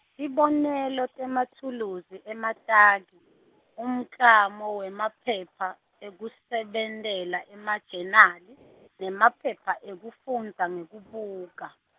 tibonelo temathuluzi emataki, umklamo wemaphepha, ekusebentela emajenali , nemaphepha ekufundza ngekubuka.